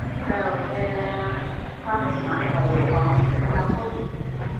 แล้วแต่ความสมัครใจของแต่ละคน